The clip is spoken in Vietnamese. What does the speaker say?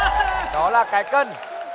đó là cái cân